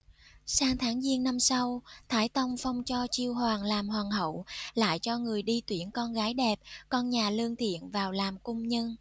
sang tháng giêng năm sau thái tông phong cho chiêu hoàng làm hoàng hậu lại cho người đi tuyển con gái đẹp con nhà lương thiện vào làm cung nhân